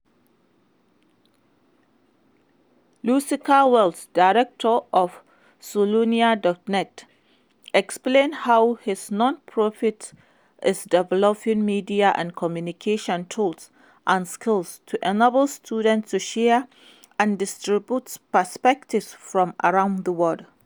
- Lucas Welsh, Director of Soliya.net, explained how his non-profit is developing media and communication tools and skills to enable students to share and distribute perspectives from around the world.